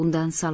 undan sal